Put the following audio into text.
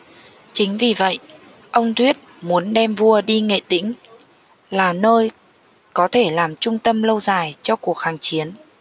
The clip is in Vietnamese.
chính vì vậy ông thuyết muốn đem vua đi nghệ tĩnh là nơi có thể làm trung tâm lâu dài cho cuộc kháng chiến